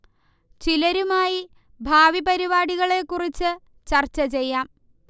ചിലരുമായി ഭാവി പരിപാടികളെ കുറിച്ച് ചർച്ചചെയ്യാം